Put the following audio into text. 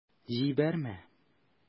Җибәрмә...